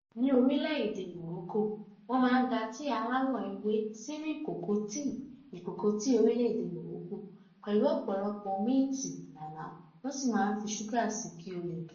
Ní orílẹ́-èdè Morocco, wọ́n máa ń ga tíì aláwọ̀ ewé sínú ìkòkò tíì (ìkòkò tíì orílẹ̀-èdè Morocco) pẹ̀lú ọ̀pọ̀lọpọ̀ míǹtì (na'na') wọ́n sì máa ń fi ṣúgà si kí ó le dùn.